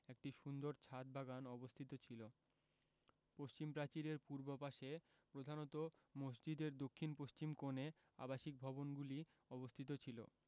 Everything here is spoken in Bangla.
একটি সুন্দর ছাদ বাগান অবস্থিত ছিল পশ্চিম প্রাচীরের পূর্ব পাশে প্রধানত মসজিদের দক্ষিণ পশ্চিম কোণে আবাসিক ভবনগুলি অবস্থিত ছিল